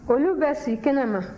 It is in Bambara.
olu bɛ si kɛnɛ ma